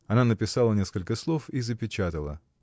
Она написала несколько слов и запечатала.